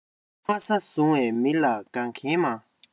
དམའ ས བཟུང བའི མི ལ དགའ མཁན མང